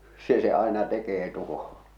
se se aina tekee tuhoja